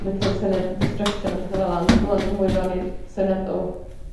licio'r syniad o destruction a petha fel 'a ond rŵan dwi mwy fewn i'r syniad o